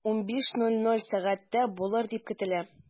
15.00 сәгатьтә булыр дип көтелә.